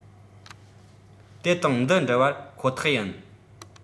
དེ དང འདི འདྲི བར ཁོ ཐག ཡིན